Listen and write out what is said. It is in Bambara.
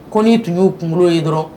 Kɔn tun y'u kunkolo ye dɔrɔn